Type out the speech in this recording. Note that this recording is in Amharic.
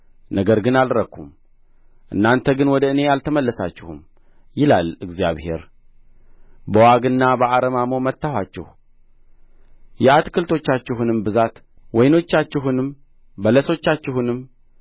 ነገር ግን አልረኩም እናንተ ግን ወደ እኔ አልተመለሳችሁም ይላል እግዚአብሔር በዋግና በአረማሞ መታኋችሁ የአታክልቶቻችሁንም ብዛት ወይኖቻችሁንም በለሶቻችሁንም